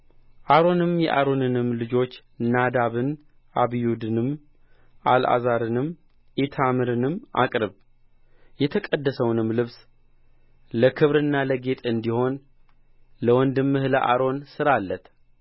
አሮንን የአሮንንም ልጆች ናዳብን አብዮድንም አልዓዛርንም ኢታምርንም አቅርብ የተቀደሰውንም ልብስ ለክብርና ለጌጥ እንዲሆን ለወንድምህ ለአሮን ሥራለት